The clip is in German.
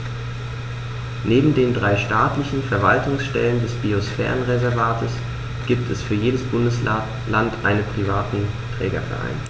Neben den drei staatlichen Verwaltungsstellen des Biosphärenreservates gibt es für jedes Bundesland einen privaten Trägerverein.